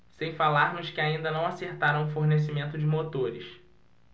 sem falar nos que ainda não acertaram o fornecimento de motores